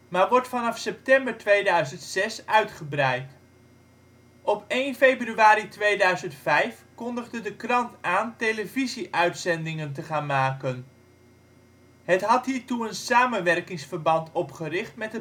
maar wordt vanaf september 2006 uitgebreid. Op 1 februari 2005 kondigde de krant aan televisieuitzendingen te gaan maken. Het had hiertoe een samenwerkingsverband opgericht met